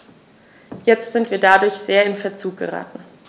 Jetzt sind wir dadurch sehr in Verzug geraten.